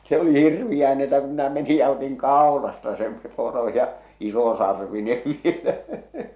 se oli hirveää niin että kun minä menin ja otin kaulasta sen poro ja isosarvinen vielä